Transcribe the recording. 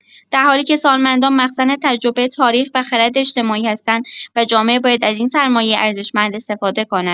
در حالی که سالمندان مخزن تجربه، تاریخ و خرد اجتماعی هستند و جامعه باید از این سرمایه ارزشمند استفاده کند.